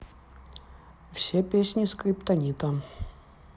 все песни скриптонита